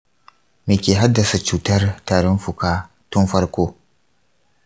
me ke haddasa cutar tarin fuka tun farko?